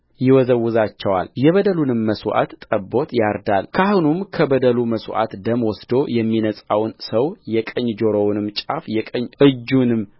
ይወዘውዛቸዋልየበደሉንም መሥዋዕት ጠቦት ያርዳል ካህኑም ከበደሉ መሥዋዕት ደም ወስዶ የሚነጻውን ሰው የቀኝ ጆሮውን ጫፍ የቀኝ እጁንም